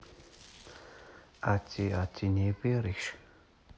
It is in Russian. а ты а ты не врешь